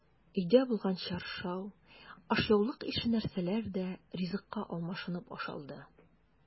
Өйдә булган чаршау, ашъяулык ише нәрсәләр дә ризыкка алмашынып ашалды.